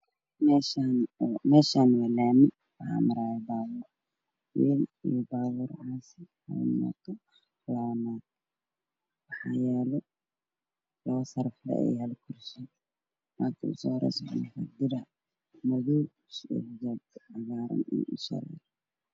meeshaan waa laami waxaa ma rayo babuur weyn iyo baabur caasi ah meeshan waa yaalo labo miis ayo